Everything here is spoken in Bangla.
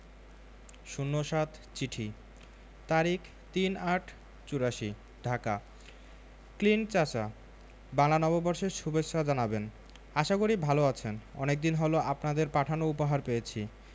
০৭ চিঠি তারিখ ৩-৮-৮৪ ঢাকা ক্লিন্ট চাচা বাংলা নববর্ষের সুভেচ্ছা জানাবেন আশা করি ভালো আছেন অনেকদিন হল আপনাদের পাঠানো উপহার পেয়েছি